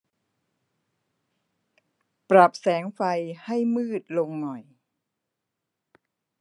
ปรับแสงไฟให้มืดลงหน่อย